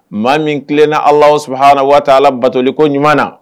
Maa min kilenna Alahu Subahanahu wataala batoli ko ɲuman na